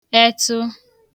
ẹtụ